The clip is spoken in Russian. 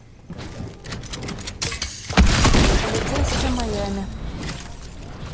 полицейские майами